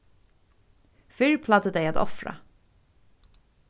fyrr plagdu tey at ofra